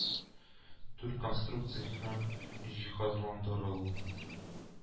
Дүрт конструкция һәм җиһазландырылу